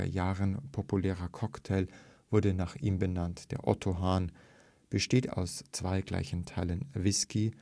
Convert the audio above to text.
Jahren populärer Cocktail wurde nach ihm benannt: Der „ Otto Hahn “besteht aus zwei gleichen Teilen Whisky